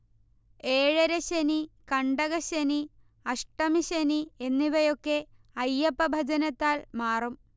ഏഴരശ്ശനി, കണ്ടകശ്ശനി, അഷ്ടമിശനി എന്നിവയൊക്കെ അയ്യപ്പഭജനത്താൽ മാറും